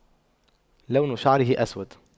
لون شعره أسود